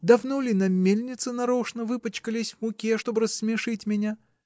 Давно ли на мельнице нарочно выпачкались в муке, чтоб рассмешить меня?